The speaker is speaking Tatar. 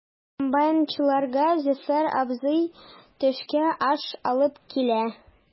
Комбайнчыларга Зөфәр абзый төшке аш алып килә.